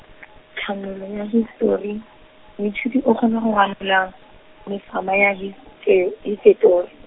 tlhanolo ya histori, moithuti o kgona go , mefama ya histe-, hisetori.